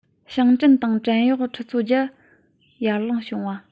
ཞིང བྲན དང བྲན གཡོག ཁྲི ཚོ བརྒྱར ཡར ལངས བྱུང བ